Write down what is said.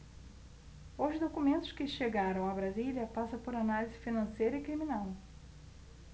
os documentos que chegaram a brasília passam por análise financeira e criminal